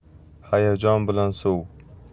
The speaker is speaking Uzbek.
hayajon bilan suv